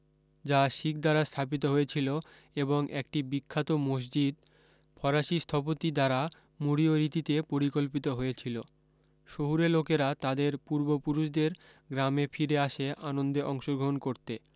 যা শিখ দ্বারা স্থাপিত হয়েছিলো এবং একটি বিখ্যাত মসজিদ ফরাসি স্থপতি দ্বারা মুরীয় রীতিতে পরিকল্পিত হয়েছিলো শহুরে লোকেরা তাদের পূর্বপুরুষদের গ্রামে ফিরে আসে আনন্দে অংশগ্রহণ করতে